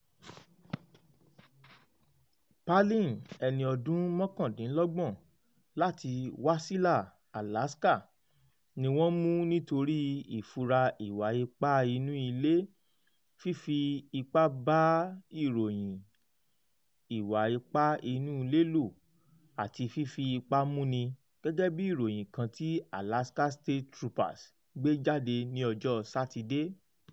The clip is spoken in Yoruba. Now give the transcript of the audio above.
Palin, ẹni ọdún mọ́kàndínlọ́gbọ̀n, láti Wasilla, Alaska, ni wọ́n mú nítorí ìfura ìwà ipá inú ilé, fífi ipá bá ìròyìn ìwà ipá inú ilé lò, àti fífi ipá múni, gẹ́gẹ́ bí ìròyìn kan tí Alaska State Troopers gbé jáde ní ọjọ́ Sátidé.